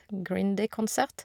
Green Day-konsert.